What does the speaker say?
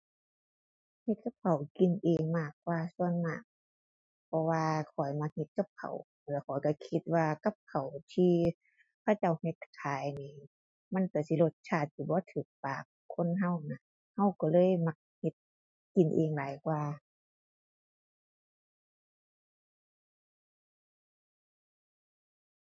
เฮ็ดกับข้าวกินเองมากกว่าส่วนมาก เพราะว่าข้อยมักเฮ็ดกับข้าว แล้วข้อยก็คิดว่ากับข้าวที่เขาเจ้าเฮ็ดขายนี่มันก็สิรสชาติสิบ่ก็ปากคนก็นะ ก็ก็เลยมักเฮ็ดกินเอง หลายกว่า